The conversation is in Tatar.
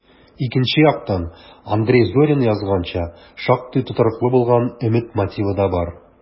Икенче яктан, Андрей Зорин язганча, шактый тотрыклы булган өмет мотивы да бар: